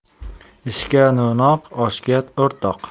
ishga no'noq oshga o'rtoq